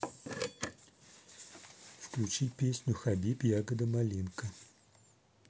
включи песню хабиб ягодка малинка